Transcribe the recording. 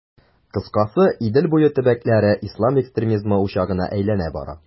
Кыскасы, Идел буе төбәкләре ислам экстремизмы учагына әйләнә бара.